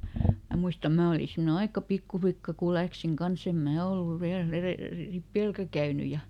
minä muista minä olin semmoinen aika pikkulikka kun lähdin kanssa en minä ollut vielä - ripilläkään käynyt ja